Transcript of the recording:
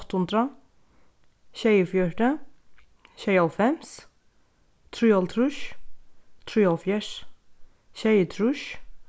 átta hundrað sjeyogfjøruti sjeyoghálvfems trýoghálvtrýss trýoghálvfjerðs sjeyogtrýss